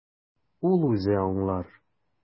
Ул үзе аңлар.